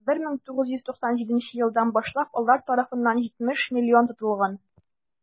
1997 елдан башлап алар тарафыннан 70 млн тотылган.